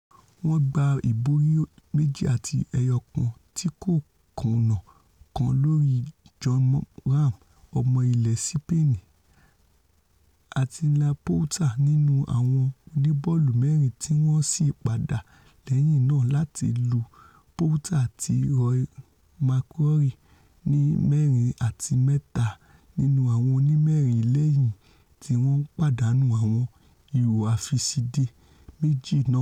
Wọ́n gba ìborí 2 àti 1 tíkòkúnná kan lóri Jon Rahm ọmọ ilẹ̀ Sipeeni àtinIan Poulter nínú àwọn oníbọ́ọ̀lù-mẹ́rin tíwọ́n sì padà lẹ́yìn nàà láti lu Poulter àti RoryMcllroy ní 4 àti 3 nínú àwọn onímẹ́rin lẹ́yìn tí wọ́n pàdánù àwọn ihò àfisíde méjì náà.